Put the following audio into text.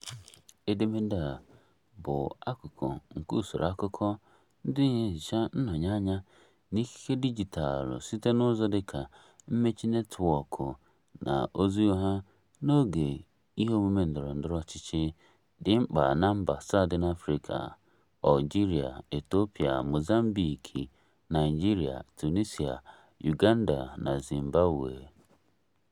Edemede a bụ akụkụ nke usoro akụkọ ndị na-enyocha nnyonye anya na ikike dijitalụ site na ụzọ dịka mmechi netwọk na ozi ugha n'oge ihe omume ndọrọ ndọrọ ọchịchị dị mkpa na mba asaa dị n'Afịrịka: Algeria, Ethiopia, Mozambique, Naịjirịa, Tunisia, Uganda, na Zimbabwe.